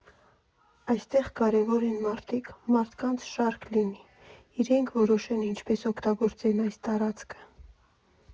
Այստեղ կարևոր են մարդիկ՝ մարդկանց շարժ լինի, իրենք որոշեն ինչպես օգտագործել այդ տարածքը։